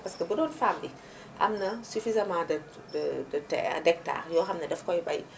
parce que bu doon femme bi am na suffisamment de: de terrain d' hectare yoo xam ne dafa koy bay